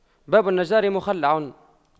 باب النجار مخَلَّع